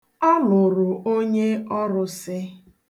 Ọ lụrụ onye ọrụsị.